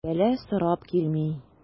Бәла сорап килми.